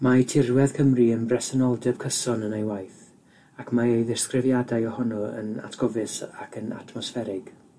Mae tirwedd Cymru yn bresenoldeb cyson yn ei waith, ac mae ei ddisgrifiadau ohono yn atgofus ac yn atmosfferig.